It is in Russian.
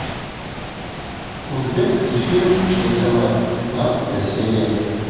узбекский фильм шайтанат пятнадцатая серия